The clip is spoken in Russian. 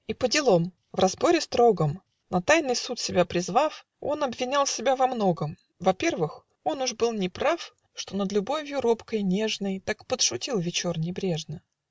И поделом: в разборе строгом, На тайный суд себя призвав, Он обвинял себя во многом: Во-первых, он уж был неправ, Что над любовью робкой, нежной Так подшутил вечор небрежно.